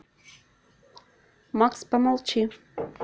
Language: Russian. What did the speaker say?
макс помолчи